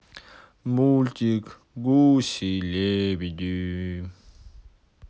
мультик гуси лебеди